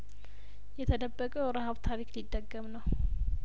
የተደበቀው ረሀብ ታሪክ ሊደገም ነው